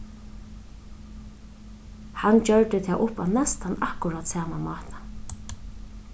hann gjørdi tað upp á næstan akkurát sama máta